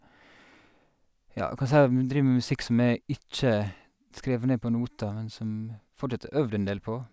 Ja, du kan si at vi driver med musikk som er ikke skrevet ned på noter, men som fortsatt er øvd en del på.